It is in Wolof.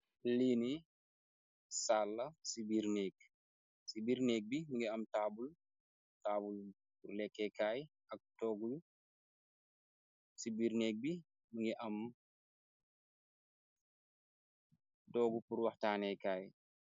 Lii nii saal la ci birr negg, cii birr negg bi mingui am taabul, taabul lehkeh kaii ak tohgu, cii birr negg bii mingui amm tohgu pur wakhtaneh kaii.